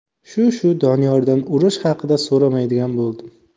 shu shu doniyordan urush haqida so'ramaydigan bo'ldim